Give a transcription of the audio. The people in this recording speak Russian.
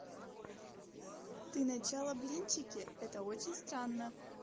ты начало блинчики это очень странно